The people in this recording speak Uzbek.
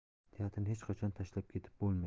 teatrni hech qachon tashlab ketib bo'lmaydi